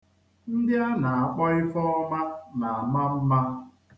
Ndị a na-akpọ Ifeọma na-ama mma.